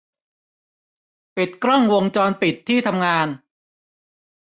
ปิดกล้องวงจรปิดที่ทำงาน